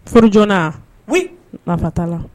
Furu joonaa? Oui! Nafa t'a la.